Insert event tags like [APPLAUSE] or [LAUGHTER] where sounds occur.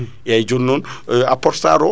[BREATH] eyyi joni non Aprostar o